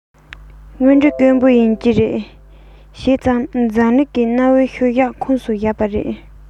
དངོས འབྲེལ དཀོན པོ ཡིན གྱི རེད བྱས ཙང འཛམ གླིང གི གནའ བོའི ཤུལ བཞག ཁོངས སུ བཞག པ རེད